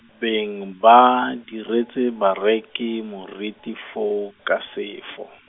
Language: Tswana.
beng ba diretse bareki moriti foo ka sefo.